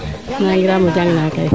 naangiram jang na kay